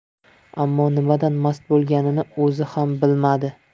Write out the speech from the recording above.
ammo nimadan mast bo'lganini o'zi ham bilmadi